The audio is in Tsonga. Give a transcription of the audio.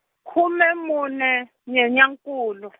khume mune Nyenyankulu.